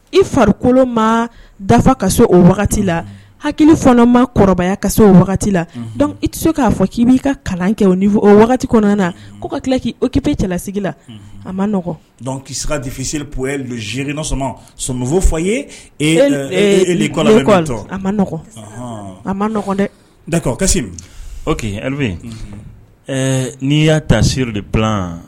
I farikolokolo ma dafa ka so o wagati la hakili fana ma kɔrɔbaya ka se o wagati la i tɛ se k'a fɔ k'i b' ii ka kalan kɛ o fɔ o wagati kɔnɔna na ko ka tila k' kip cɛlasigi la an ma'i siga difisi p z zesɔn sofo fɔ ye ma an maɔgɔn dɛ da o ka o ɛɛ n'i y'a ta se de bila